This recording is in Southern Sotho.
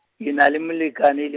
ke na le molekane le.